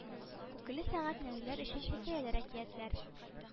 Күкеле сәгать нәниләр өчен хикәяләр әкиятләр